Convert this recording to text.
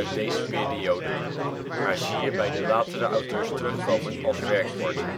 deze periode, maar zie je bij de latere auteurs terugkomen als werkwoord